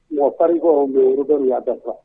Mɔgɔ pariko yɔrɔ bɛ u y'a dafa